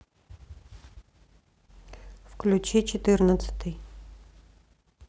включи четырнадцатый